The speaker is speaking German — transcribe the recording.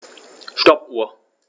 Stoppuhr.